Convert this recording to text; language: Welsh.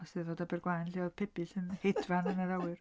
Oedd 'Steddfod Abergwaun lle oedd pebyll yn hedfan yn yr awyr.